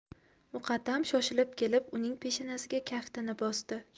muqaddam shoshilib kelib uning peshanasiga kaftini bosdi